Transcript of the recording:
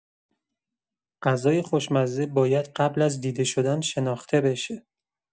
غذای خوشمزه باید قبل از دیده شدن شناخته بشه.